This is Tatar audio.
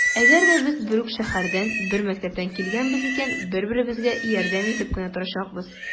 Әгәр дә без бер үк шәһәрдән, бер мәктәптән килгәнбез икән, бер-беребезгә ярдәм итеп кенә торачакбыз.